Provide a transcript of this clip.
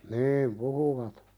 niin puhuivat